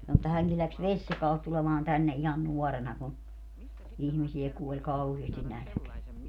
sanoi että hänkin lähti Vesijakaalta tulemaan tänne ihan nuorena kun ihmisiä kuoli kauheasti nälkään